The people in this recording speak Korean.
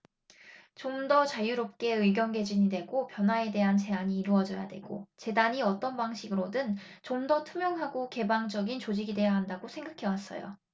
좀더 자유롭게 의견 개진이 되고 변화에 대한 제안이 이뤄져야 되고 재단이 어떤 방식으로든 좀 더 투명하고 개방적인 조직이 돼야 한다고 생각해 왔어요